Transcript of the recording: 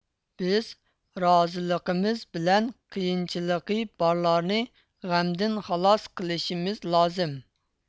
بىز رازىلىقىمىز بىلەن قىيىنچىلىقى بارلارنى غەمدىن خالاس قىلىشىمىز لازىم